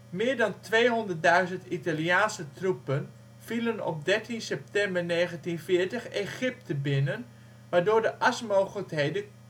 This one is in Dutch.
Meer dan 200.000 Italiaanse troepen vielen op 13 september 1940 Egypte binnen waardoor de asmogendheden